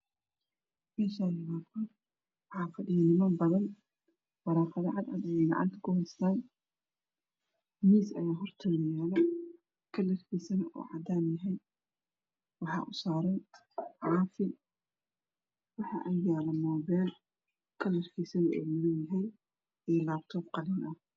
Meshan waa qol waxa fadhiyo niman badan waraqado cad cad ayey gacantakuhestan mis ayaahortoda yalo kalarkisana ocadanyahay waxa usaran caafi waxa Agyaalo mobel kalarkisuna oyahay madow iyo Labtob qalin ah